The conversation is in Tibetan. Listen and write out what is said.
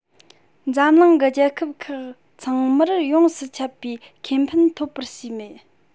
འཛམ གླིང གི རྒྱལ ཁབ ཁག ཚང མར ཡོངས སུ ཁྱབ པའི ཁེ ཕན ཐོབ པར བྱས མེད